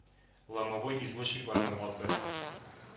Ломовой извозчикларның аты